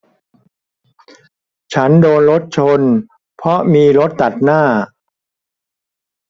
ฉันโดนรถชนเพราะมีรถตัดหน้า